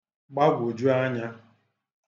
gbagwòju anyā